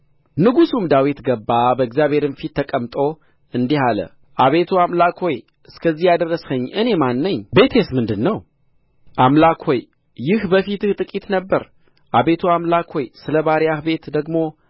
ንጉሡም ዳዊት ገባ በእግዚአብሔርም ፊት ተቀምጦ እንዲህ አለ አቤቱ አምላክ ሆይ እስከዚህ ያደረስኸኝ እኔ ማን ነኝ ቤቴስ ምንድር ነው አምላክ ሆይ ይህ በፊትህ ጥቂት ነበረ አቤቱ አምላክ ሆይ ስለ ባሪያህ ቤት ደግሞ